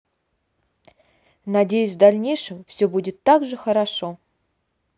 надеюсь в дальнейшем все будет так же хорошо